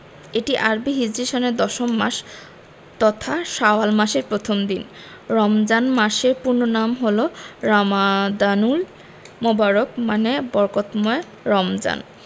এটি আরবি হিজরি সনের দশম মাস তথা শাওয়াল মাসের প্রথম দিন রমজান মাসের পূর্ণ নাম হলো রমাদানুল মোবারক মানে বরকতময় রমজান